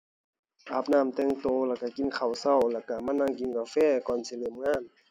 อาบน้ำแต่งตัว แล้วตัวกินข้าวตัว แล้วตัวมานั่งกินกาแฟ ก่อนสิเริ่มงาน